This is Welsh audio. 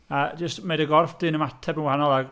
A jyst, mae dy gorff di'n ymateb yn wahanol a...